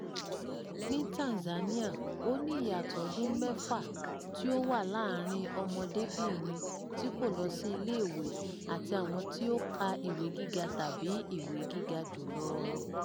Ní Tanzania, ó ní ìyàtọ̀ ọdún mẹ́fà tí ó wà láàárín ọmọdébìnrin tí kò lọ sí ilé ìwé àti àwọn tí ó ka ìwé gíga tàbí ìwé gíga jù lọ.